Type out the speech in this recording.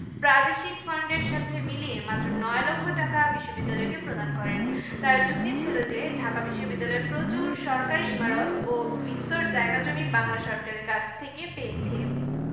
প্রাদেশিক ফান্ডেলর সাথে মিলিয়ে মাত্র নয় লক্ষ টাকা বিশ্ববিদ্যালয়কে প্রদান করেন তাঁর যুক্তি ছিল যে ঢাকা বিশ্ববিদ্যালয় প্রচুর সরকারি ইমারত ও বিস্তর জায়গা জমি বাংলা সরকারের কাছ থেকে পেয়েছে